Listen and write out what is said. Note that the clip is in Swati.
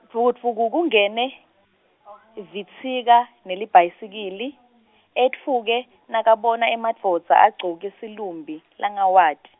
dvukudvuku kungene, Vitsika, nelibhayisikili, etfuke, nakabona emadvodza agcoke silumbi, langawati.